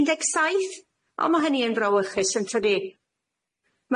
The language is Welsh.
un deg saith on' ma' hynny yn frowychus on' tydi?